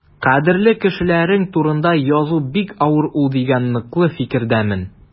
Кадерле кешеләрең турында язу бик авыр ул дигән ныклы фикердәмен.